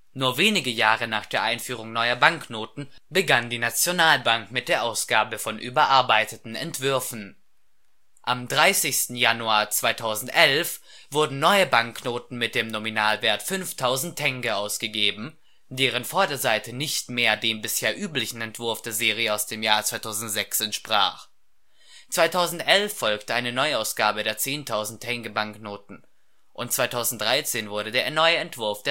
Nur wenige Jahre nach der Einführung neuer Banknoten begann die Nationalbank mit der Ausgabe von überarbeiteten Entwürfen. Am 30. Januar 2011 wurden neue Banknoten mit dem Nominalwert 5.000 Tenge ausgegeben, deren Vorderseite nicht mehr dem bisher üblichen Entwurf der Serie aus dem Jahr 2006 entsprach. 2011 folgte eine Neuausgabe der 10.000 Tenge Banknote und 2013 wurde der neue Entwurf